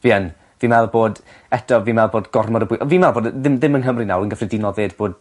Fi yn fi me'wl bod eto fi'n me'wl bod gormod o bwy- yy fi'n me'l bod y ddim ddim yng Nghymru nawr yn gyffredinol 'fyd bod